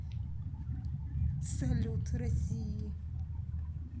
салют россии